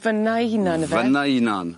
Fynna 'u hunan yfe. Fyna 'unan.?